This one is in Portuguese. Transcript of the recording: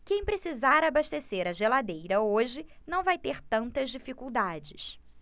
quem precisar abastecer a geladeira hoje não vai ter tantas dificuldades